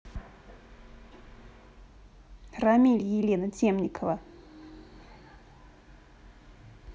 рамиль елена темникова